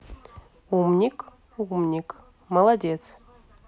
умник умник молодец